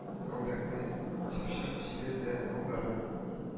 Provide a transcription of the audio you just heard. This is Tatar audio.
Гәүдәңне чыпчык җиле дә аудара